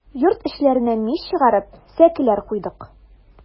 Йорт эчләренә мич чыгарып, сәкеләр куйдык.